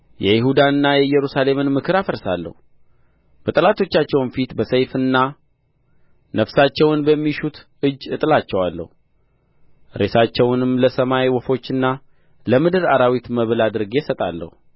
የይሁዳንና የኢየሩሳሌምን ምክር አፈርሳለሁ በጠላቶቻቸውም ፊት በሰይፍና ነፍሳቸውን በሚሹት እጅ እጥላቸዋለሁ ሬሳቸውንም ለሰማይ ወፎችና ለምድር አራዊት መብል አድርጌ እሰጣለሁ